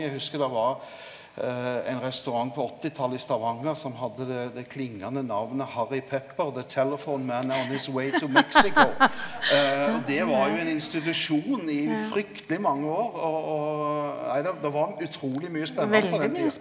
eg huskar der var ein restaurant på åttitalet i Stavanger som hadde det det klingande namnet Harry Pepper og det var jo ein institusjon i frykteleg mange år og og nei der der var utruleg mykje spennande på den tida.